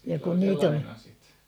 sillä oli sellainen ase